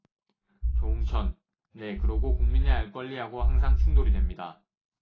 조응천 네 그러고 국민의 알권리 하고 항상 충돌이 됩니다